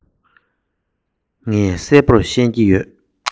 ངས གསལ པོར ཤེས ཀྱི ཡོད